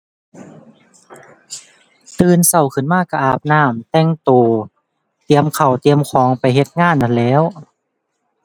ตื่นเช้าขึ้นมาเช้าอาบน้ำแต่งเช้า เตรียมข้าวเตรียมของไปเฮ็ดงานนั่นแหล้ว